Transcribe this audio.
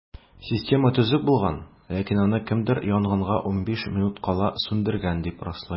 Система төзек булган, ләкин аны кемдер янгынга 15 минут кала сүндергән, дип раслый.